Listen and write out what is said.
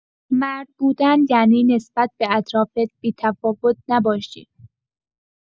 مرد بودن یعنی نسبت به اطرافت بی‌تفاوت نباشی؛